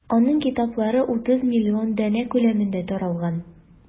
Аның китаплары 30 миллион данә күләмендә таралган.